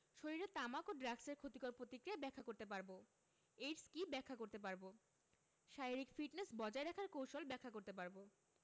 শরীরে তামাক ও ড্রাগসের ক্ষতিকর প্রতিক্রিয়া ব্যাখ্যা করতে পারব এইডস কী ব্যাখ্যা করতে পারব শারীরিক ফিটনেস বজায় রাখার কৌশল ব্যাখ্যা করতে পারব